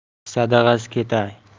sadag'asi ketay